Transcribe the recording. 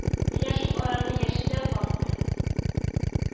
Менә шул араны яше дә, карты